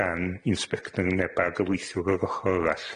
gan insbector y ne' bargyfreithiwr o'r ochor arall,